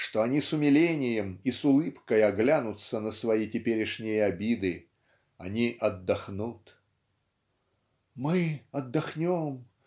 что они с умилением и с улыбкой оглянутся на свои теперешние обиды они отдохнут. "Мы отдохнем!